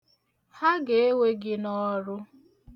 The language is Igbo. Ha ga-ewe gị n'ọrụ.